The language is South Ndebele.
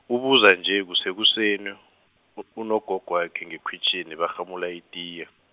ubuza nje kusekuseni, u- unogogwakhe ngekhwitjhini barhamula itiye.